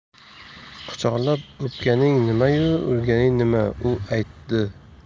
quchoqlab o'pganing nimayu urganing nima u aytdi